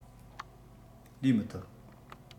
ལས མི ཐུབ